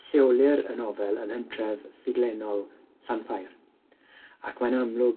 Lleolir y nofel ym mhentref ffuglennol Llanffair ac mae'n amlwg